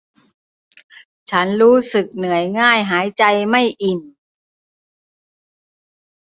ฉันรู้สึกเหนื่อยง่ายหายใจไม่อิ่ม